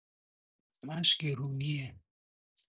همش گرونیه